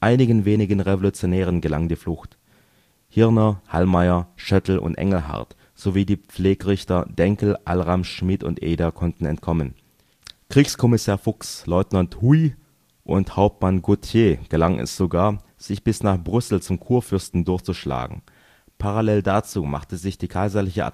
Einigen wenigen Revolutionären gelang die Flucht: Hierner, Hallmayr, Schöttl und Engelhart sowie die Pflegrichter Dänkel, Alram, Schmid und Eder konnten entkommen, Kriegskommisär Fuchs, Leutnant Houis und Hauptmann Gauthier gelang es sogar, sich bis nach Brüssel zum Kurfürsten durchzuschlagen. Parallel dazu machte sich die kaiserliche